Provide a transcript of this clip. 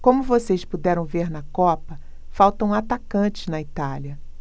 como vocês puderam ver na copa faltam atacantes na itália